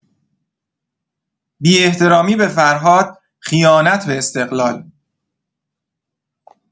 بی‌احترامی به فرهاد خیانت به استقلال